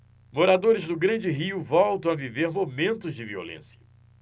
moradores do grande rio voltam a viver momentos de violência